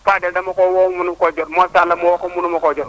Fadel dama koo woo mënu ma ko jot Mor Sall ma woo ko mënuma koo jot